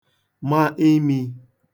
ma imī